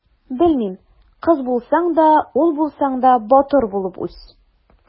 Белмим: кыз булсаң да, ул булсаң да, батыр булып үс!